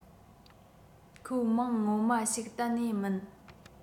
ཁོའི མིང ངོ མ ཞིག གཏན ནས མིན